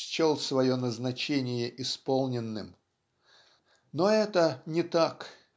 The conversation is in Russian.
счел свое назначение исполненным. Но это не так.